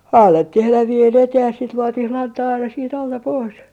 annettiin elävien eteen ja siitä luotiin lantaa aina siitä alta pois